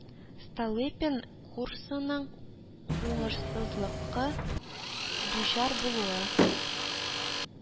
Столыпин курсының уңышсызлыкка дучар булуы